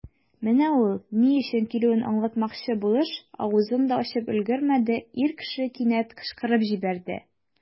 Менә ул, ни өчен килүен аңлатмакчы булыш, авызын да ачып өлгермәде, ир кеше кинәт кычкырып җибәрде.